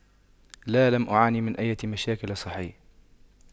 لا لم أعاني من أية مشاكل صحية